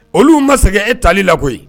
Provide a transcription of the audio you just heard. Olu ma sɛgɛn e tali la koyi